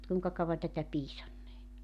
mutta kuinka kauan tätä piisannee